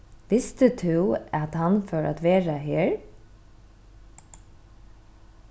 visti tú at hann fór at vera her